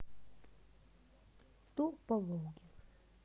тур по волге